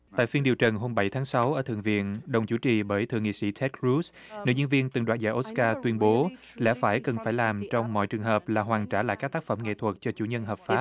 tại phiên điều trần hôm bảy tháng sáu ở thượng viện đồng chủ trì bởi thượng nghị sĩ tét cờ rút nữ diễn viên từng đoạt giải ốt ca tuyên bố lẽ phải cần phải làm trong mọi trường hợp là hoàn trả lại các tác phẩm nghệ thuật cho chủ nhân hợp pháp